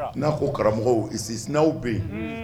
Na ko karamɔgɔw isisinaw be yen